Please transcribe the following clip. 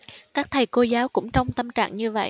các thầy cô giáo cũng trong tâm trạng như vậy